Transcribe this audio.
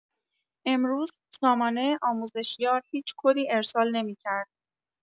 امروز سامانه آموزشیار هیچ کدی ارسال نمی‌کرد